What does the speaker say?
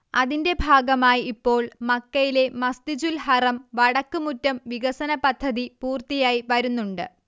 അതിന്റെ ഭാഗമായി ഇപ്പോൾ മക്കയിലെ മസ്ജിദുൽ ഹറം വടക്ക് മുറ്റം വികസനപദ്ധതി പൂർത്തിയായി വരുന്നുണ്ട്